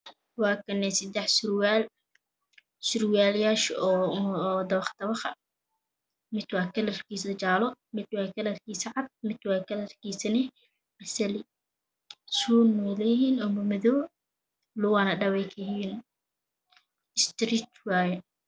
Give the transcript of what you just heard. Waa kane sadex surwaal surawaala yaasha oo dabaq dabaqa camal mid kalarkiisa waa jaale Midna kalarkiisa waa cadan midna kalarkiisaa waa basali suuna way leeyihiin oo madmadow lugahana dhabeey kayihiin istiriij waaye